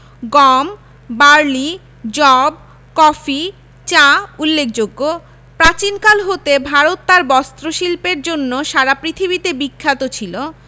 গম বার্লি যব কফি চা উল্লেখযোগ্যপ্রাচীনকাল হতে ভারত তার বস্ত্রশিল্পের জন্য সারা পৃথিবীতে বিখ্যাত ছিল